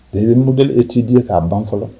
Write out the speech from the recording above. De bɛ nugud e cii di ye k'a ban fɔlɔ